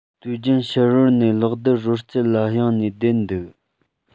དུས རྒྱུན ཕྱི རོལ ནས གློག རྡུལ རོལ རྩེད ལ གཡེང ནས བསྡད འདུག